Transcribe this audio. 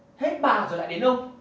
hết bà rồi lại đến ông